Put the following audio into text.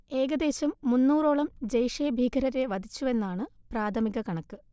ഏകദേശം മുന്നോറോളം ജെയ്ഷെ ഭീകരരെ വധിച്ചുവെന്നാണ് പ്രാഥമിക കണക്ക്